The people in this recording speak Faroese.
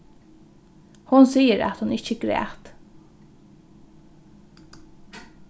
hon sigur at hon ikki græt